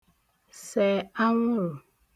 sẹ̀ anwụ̀rụ̀